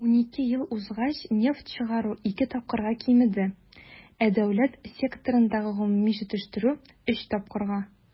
12 ел узгач нефть чыгару ике тапкырга кимеде, ә дәүләт секторындагы гомуми җитештерү - өч тапкырга.